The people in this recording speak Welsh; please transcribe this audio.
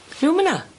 Miwn myn 'na?